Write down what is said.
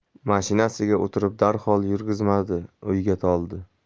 mashinasiga o'tirib darhol yurgizmadi o'yga toldi